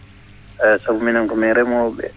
eeyi sabu minen komin remooɓe